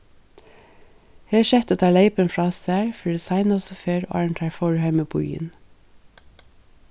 her settu teir leypin frá sær fyri seinastu ferð áðrenn teir fóru heim í býin